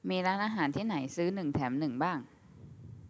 มีร้านอาหารที่ไหนซื้อหนึ่งแถมหนึ่งบ้าง